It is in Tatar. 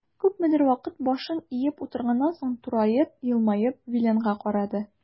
Күпмедер вакыт башын иеп утырганнан соң, тураеп, елмаеп Виленга карады.